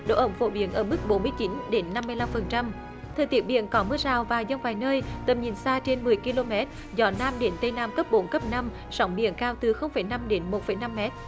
độ ẩm phổ biến ở mức bốn mươi chín đến năm mươi lăm phần trăm thời tiết biển có mưa rào và dông vài nơi tầm nhìn xa trên mười ki lô mét gió nam đến tây nam cấp bốn cấp năm sóng biển cao từ không phẩy năm đến một phẩy năm mét